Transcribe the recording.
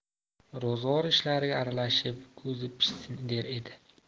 ro'zg'or ishlariga aralashib ko'zi pishsin der edi